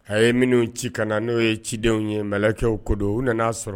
A ye minnu ci kana na n'o ye cidenw ye malikɛw ko don u nana'a sɔrɔ